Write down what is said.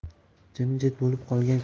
jimjit bo'lib qolgan